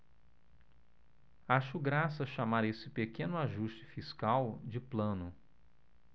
acho graça chamar esse pequeno ajuste fiscal de plano